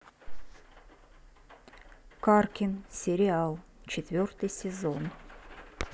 каркин сериал четвертый сезон